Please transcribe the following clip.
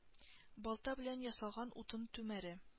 Балта белән ясалган утын түмәре